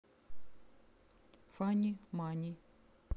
funny money